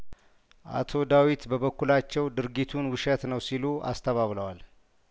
አቶ ዳዊት በበኩላቸው ድርጊቱን ውሸት ነው ሲሉ አስተባብለዋል